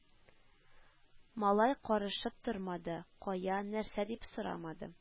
Малай карышып тормады, кая, нәрсә дип сорамады